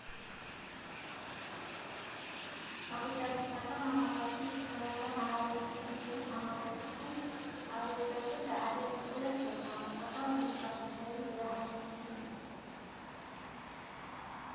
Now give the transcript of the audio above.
Կապիտալիստական համակարգի շուկայական հարաբերությունների համատեքստում, արվեստագետը այլևս զերծ էր քաղաքական ու մշակութային վերահսկողությունից։